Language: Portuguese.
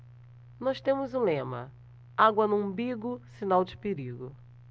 nós temos um lema água no umbigo sinal de perigo